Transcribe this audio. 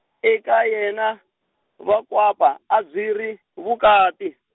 eka yena, vakwapa, a byi ri, vukati.